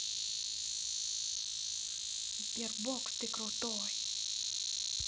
sberbox ты крутой